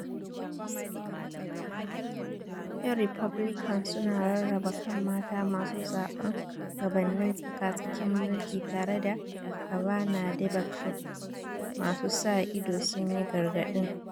Yan Republican Su na Rarraba Kan Mata Masu Zabe Gabanin Tsaka-Tsakin Mulki Tare da Kavanaugh Debacle, Masu sa ido sunyi gargadin